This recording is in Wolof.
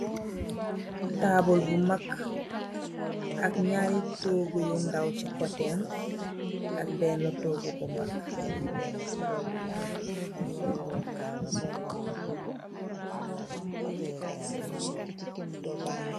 Tabull bu mag ak ñgaari tohgu yu ndawci koteham ak benna tohgu bu mag.